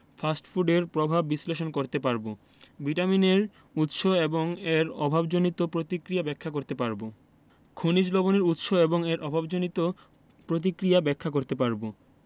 fast ফুডের প্রভাব বিশ্লেষণ করতে পারব ভিটামিনের উৎস এবং এর অভাবজনিত প্রতিক্রিয়া ব্যাখ্যা করতে পারব খনিজ লবণের উৎস এবং এর অভাবজনিত প্রতিক্রিয়া ব্যাখ্যা করতে পারব